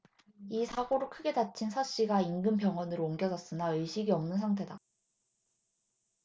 이 사고로 크게 다친 서씨가 인근 병원으로 옮겨졌으나 의식이 없는 상태다